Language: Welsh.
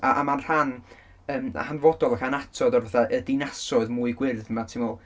a, a mae'n rhan, yym, hanfodol ac anatod o'r fatha, y dinasoedd mwy gwyrdd yma, ti'n meddwl?